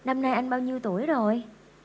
năm nay anh bao nhiêu tuổi rồi